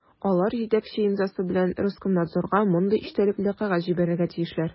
Алар җитәкче имзасы белән Роскомнадзорга мондый эчтәлекле кәгазь җибәрергә тиешләр: